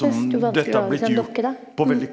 desto vanskeligere å en dokke da ja.